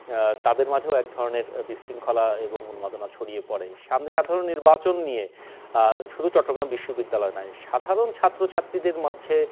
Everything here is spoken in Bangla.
তাদের মধ্যেও এক ধরনের বিশৃঙ্খলা এবং উন্মাদনা ছড়িয়ে পড়ে সামনে সাধারণ নির্বাচন নিয়ে শুধু চট্টগ্রাম বিশ্ববিদ্যালয় নয় সাধারণ ছাত্রছাত্রীদের মাঝে